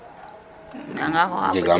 Nangaa xooxaa fo jem?